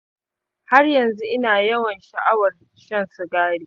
har yanzu ina yawan sha'a'war shan sigari.